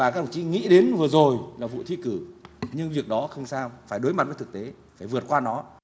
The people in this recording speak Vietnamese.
và các đồng chí nghĩ đến vừa rồi là vụ thi cử nhưng việc đó không sao phải đối mặt với thực tế phải vượt qua nó